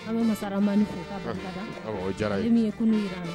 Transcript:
An bɛ masa rahamani fo k'a barika da. Awɔ a diyara n ye. Ale min ye kunun jira an na.